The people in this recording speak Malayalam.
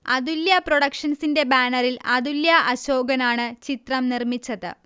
അതുല്യ പ്രൊഡക്ഷൻസിന്റെ ബാനറിൽ അതുല്യ അശോകനാണ് ചിത്രം നിർമ്മിച്ചത്